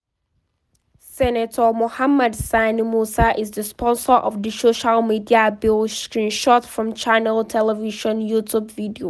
Senator Mohammed Sani Musa is the sponsor of the social media bill. Screenshot from Channel Television You Tube video.